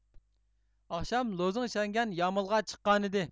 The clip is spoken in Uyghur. ئاخشام لوزۇڭ شەڭگەن يامۇلغا چىققانىدى